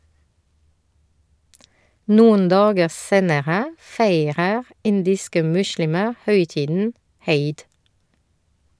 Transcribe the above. Noen dager senere feirer indiske muslimer høytiden Eid.